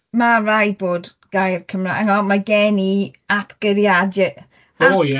Ma' raid bod gair Cymraeg, hang on mae gen i ap geiriadur ap... O ie.